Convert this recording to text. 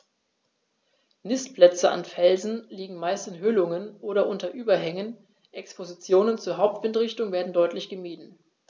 Nistplätze an Felsen liegen meist in Höhlungen oder unter Überhängen, Expositionen zur Hauptwindrichtung werden deutlich gemieden.